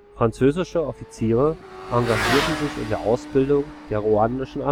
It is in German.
Französische Offiziere engagierten sich in der Ausbildung der ruandischen